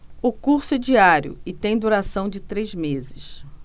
o curso é diário e tem duração de três meses